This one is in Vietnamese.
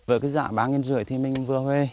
với cái giá ba nghìn rưỡi thì mình vừa huề